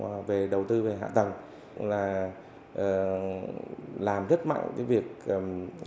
về đầu tư về hạ tầng là ờ làm rất mạnh đến việc